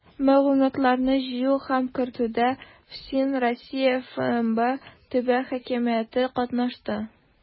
Мәгълүматларны җыю һәм кертүдә ФСИН, Россия ФМБА, төбәк хакимияте катнашты.